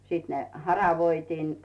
sitten ne haravoitiin